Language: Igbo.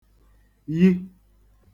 yì